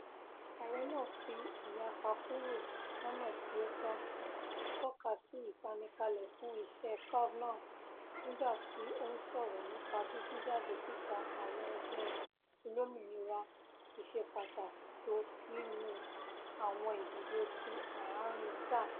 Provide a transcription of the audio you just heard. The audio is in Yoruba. Ààrẹ náà fi ìyapa kuro lọ́nà tí ó tọ́ tọ́kasí ìfanikalẹ fún iṣẹ́ Kavanaugh nígbàti ó ńsọrọ nípa bí jíjáde síta àwọn ẹgbẹ́ Republican tiṣe pàtakì tó nínú àwọn ìdìbò ti ààrin-sáà.